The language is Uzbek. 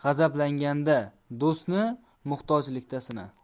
g'azablanganda do'stni muhtojlikda sina